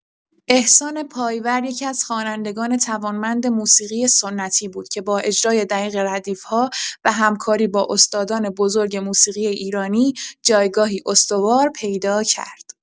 احسان پایور یکی‌از خوانندگان توانمند موسیقی سنتی بود که با اجرای دقیق ردیف‌ها و همکاری با استادان بزرگ موسیقی ایرانی جایگاهی استوار پیدا کرد.